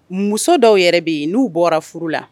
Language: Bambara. Muso dɔw yɛrɛ bɛ yen n'u bɔra furu la